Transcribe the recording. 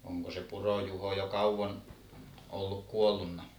onko se Puro-Juho jo kauan ollut kuollut